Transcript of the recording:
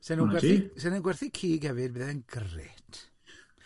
'Saen nhw'n gwerthu'n gwerthu cig hefyd byddai'n grêt.